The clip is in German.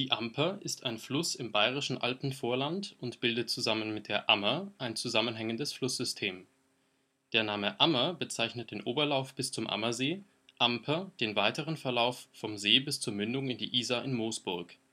Amper ist ein Fluss im bayerischen Alpenvorland und bildet zusammen mit der Ammer ein zusammenhängendes Flusssystem. Der Name Ammer bezeichnet den Oberlauf bis zum Ammersee, Amper den weiteren Verlauf vom See bis zur Mündung in die Isar in Moosburg